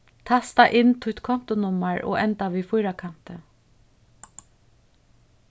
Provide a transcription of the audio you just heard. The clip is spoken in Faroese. tasta inn títt kontunummar og enda við fýrakanti